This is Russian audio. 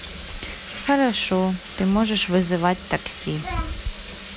хорошо ты можешь вызывать такси